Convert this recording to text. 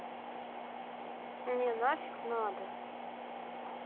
не нафиг надо